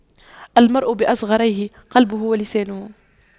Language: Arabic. المرء بأصغريه قلبه ولسانه